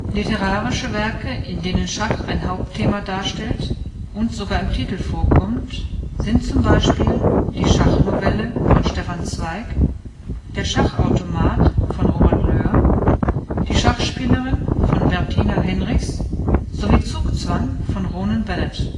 Literarische Werke, in denen Schach ein Hauptthema darstellt und sogar im Titel vorkommt, sind zum Beispiel die Schachnovelle von Stefan Zweig, Der Schachautomat von Robert Löhr, Die Schachspielerin von Bertina Henrichs sowie Zugzwang von Ronan Bennett